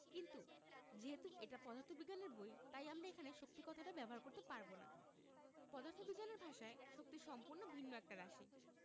কিন্তু যেহেতু এটা পদার্থবিজ্ঞানের বই তাই আমরা এখানে শক্তি কথাটা ব্যবহার করতে পারব না পদার্থবিজ্ঞানের ভাষায় শক্তি সম্পূর্ণ ভিন্ন একটা রাশি